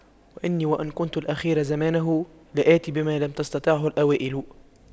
وإني وإن كنت الأخير زمانه لآت بما لم تستطعه الأوائل